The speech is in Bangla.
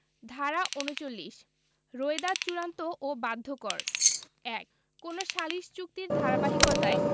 ধারা ৩৯ রোয়েদাদ চূড়ান্ত ও বাধ্যকর ১ কোন সালিস চুক্তির ধারাবাহিকতায়